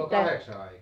kello kahdeksan aikaan